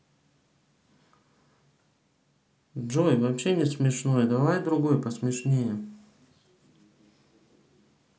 джой вообще не смешно давай другой посмешнее